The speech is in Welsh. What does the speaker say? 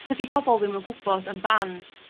tydi pobol ddim yn gwbod amdan